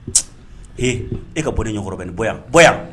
Ee e ka bɔ ɲɛ kɔrɔ bani bɔ yan.